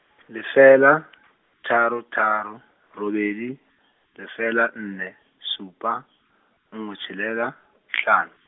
lefela , tharo tharo, robedi, lefela nne, supa, nngwe tshelela, tlhano.